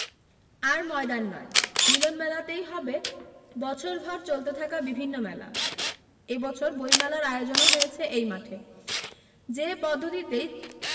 আর ময়দান নয় মিলন মেলাতেই হবে বছরভর চলতে থাকা বিভিন্ন মেলা এ বছর বৈমেলার আয়োজনও হয়েছে এই মাঠে যে পদ্ধতিতেই